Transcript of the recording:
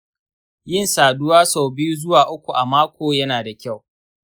yin saduwa sau biyu zuwa uku a mako yana da kyau.